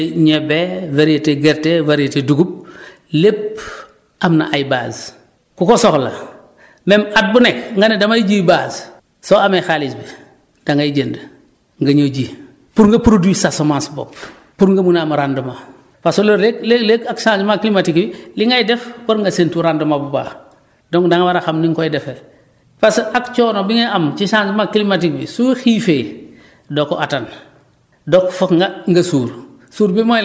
variété yi ma la wax yëpp variété ñebe variété gerte variété dugub lépp am na ay bases ku ko soxla même at bu nekk nga ne damay ji base soo amee xaalis bi da ngay jënd nga ñëw ji pour nga produire sa semence bopp pour nga mën a am rendement parce que loolu léeg-léeg ak changement climatique yi li ngay def war nga séntu rendement bu baax donc da nga war a xam ni nga koy defee parce que ak coono bi ngay am ci changement cliamatique bi soo xiifee doo ko attan